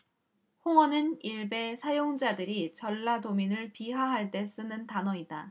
홍어는 일베 사용자들이 전라도민들을 비하할 때 쓰는 단어이다